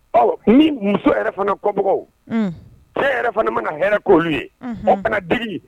Ɔ ni muso yɛrɛ fana komɔgɔw cɛ yɛrɛ fana mana na hɛrɛ k'olu ye n kanade